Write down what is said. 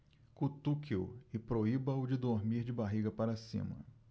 cutuque-o e proíba-o de dormir de barriga para cima